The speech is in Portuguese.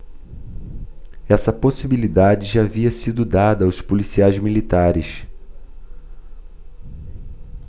essa possibilidade já havia sido dada aos policiais militares